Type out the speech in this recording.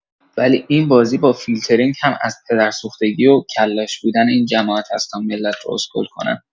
ولی این بازی با فیلترینگ هم از پدرسوختگی و کلاش بودن این جماعت هست تا ملت رو اوسکول کنن.